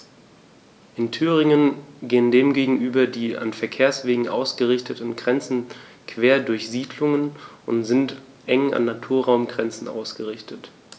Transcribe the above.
In Thüringen gehen dem gegenüber die an Verkehrswegen ausgerichteten Grenzen quer durch Siedlungen und sind eng an Naturraumgrenzen ausgerichtet.